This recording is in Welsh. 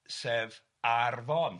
Sef Ar-fon.